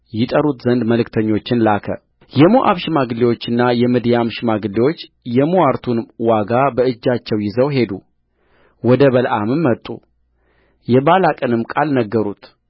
ይጠሩት ዘንድ መልእክተኞቹን ላከየሞዓብ ሽማግሌዎችና የምድያም ሽማግሌዎችም የምዋርቱን ዋጋ በእጃቸው ይዘው ሄዱ ወደ በለዓምም መጡ የባላቅንም ቃል ነገሩት